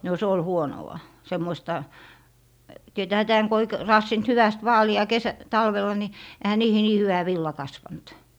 no se oli huonoa semmoista tietäähän tämän kun ei - raatsinut hyvästi vaalia - talvella niin eihän niihin niin hyvä villa kasvanut